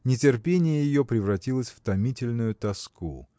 нетерпение ее превратилось в томительную тоску.